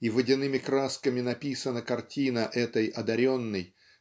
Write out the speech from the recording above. и водяными красками написана картина этой одаренной